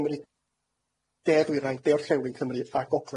Diolch yn fowr.